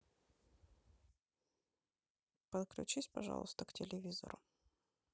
подключись пожалуйста к телевизору